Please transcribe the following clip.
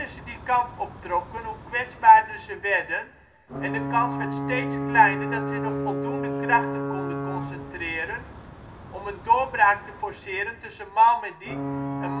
ze die kant optrokken, hoe kwetsbaarder ze werden en de kans werd steeds kleiner dat zij nog voldoende krachten konden concentreren om een doorbraak te forceren tussen Malmedy en